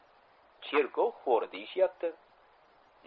cherkov xori deyishyapti